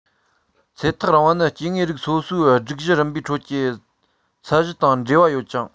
ཚེ ཐག རིང བ ནི སྐྱེ དངོས རིགས སོ སོའི སྒྲིག གཞི རིམ པའི ཁྲོད ཀྱི ཚད གཞི དང འབྲེལ བ ཡོད ཅིང